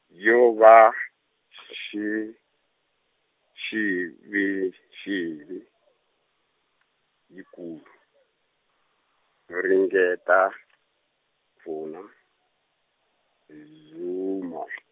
yo va, nxi- nxivinxivi, yikulu, yo ringeta , pfuna, Zumo .